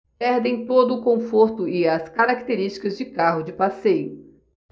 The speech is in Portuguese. perdem todo o conforto e as características de carro de passeio